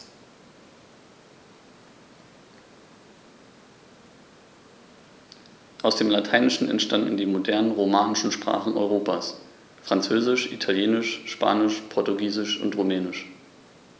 Aus dem Lateinischen entstanden die modernen „romanischen“ Sprachen Europas: Französisch, Italienisch, Spanisch, Portugiesisch und Rumänisch.